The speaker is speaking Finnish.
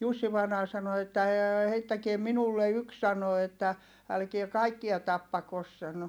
Jussi vainaja sanoi että ei heittäkää minulle yksi sanoi että älkää kaikkia tappako sanoi